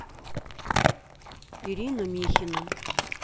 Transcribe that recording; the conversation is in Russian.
ирина михина